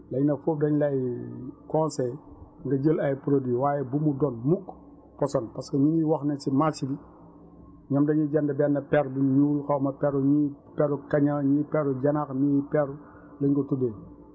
léegi nag foofu dañu lay conseillé nga jël ay produits waaye bu mu doon mukk poson parce que ñu ngi wax ne si marché bi ñoom dañuy jënd benn per bu ñuul xaw ma peru ñii peru kaña ñii peru janax ñii peru lañ ko tuddee